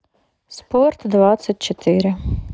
спорт двадцать четыре